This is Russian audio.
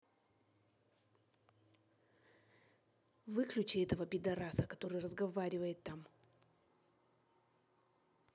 выключи этого пидараса который разговаривает там